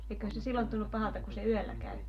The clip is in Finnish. eiköhän se silloin tunnu pahalta kun se yöllä käy